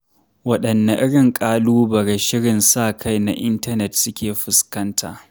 Waɗanne irin ƙalubale shirin sa-kai na intanet suke fuskanta?